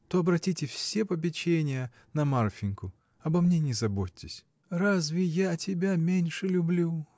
то обратите все попечения на Марфиньку. Обо мне не заботьтесь. — Разве я тебя меньше люблю?